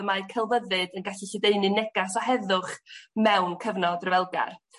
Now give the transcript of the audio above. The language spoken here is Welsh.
mae celfyddyd yn gallu lledaenu negas o heddwch mewn cyfnod ryfelgar.